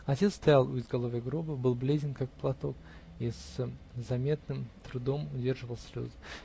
Отец стоял у изголовья гроба, был бледен, как платок, и с заметным трудом удерживал слезы.